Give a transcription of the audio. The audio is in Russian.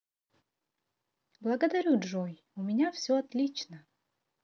благодарю джой у меня все отлично